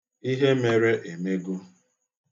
Ihe mere emego.